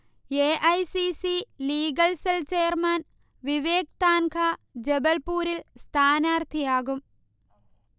A. I. C. C. Legal cell chairman Vivek Tankha ജബൽപുരിൽ സ്ഥാനാർഥിയാകും